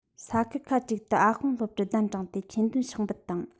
ས ཁུལ ཁ ཅིག ཏུ ཨ ཧོང སློབ གྲྭར གདན དྲངས ཏེ ཆོས འདོན ཕྱག འབུལ དང